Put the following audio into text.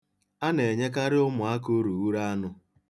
A na-enyekarị ụmụaka urughuru anụ.